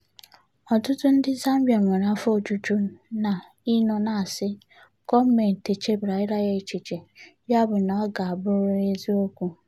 Ọtụtụ ndị Zambia nwere afọ ojuju na ị nọ na-asị, "gọọmentị echebarala ya echiche, yabụ na ọ ga-abụrịrị eziokwu".